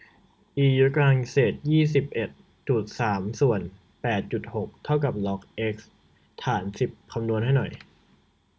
อียกกำลังเศษยี่สิบเอ็ดจุดสามส่วนแปดจุดหกเท่ากับล็อกเอ็กซ์ฐานสิบคำนวณให้หน่อย